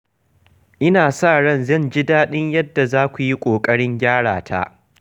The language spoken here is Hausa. Ina sa ran zan ji daɗin yadda za ku yi ƙoƙarin gyara ta.